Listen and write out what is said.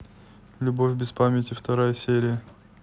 любовь без памяти вторая серия